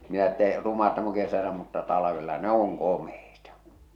minä että ruma tämä on kesällä mutta talvella ne on komeita